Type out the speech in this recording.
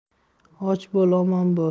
och bo'l omon bo'l